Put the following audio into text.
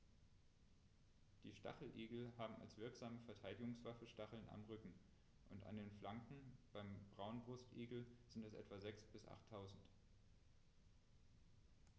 Die Stacheligel haben als wirksame Verteidigungswaffe Stacheln am Rücken und an den Flanken (beim Braunbrustigel sind es etwa sechs- bis achttausend).